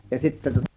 ja sitten tuota